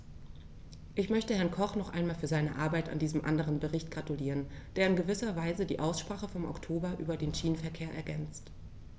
Ich möchte Herrn Koch noch einmal für seine Arbeit an diesem anderen Bericht gratulieren, der in gewisser Weise die Aussprache vom Oktober über den Schienenverkehr ergänzt.